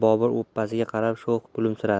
bobur opasiga qarab sho'x kulimsiradi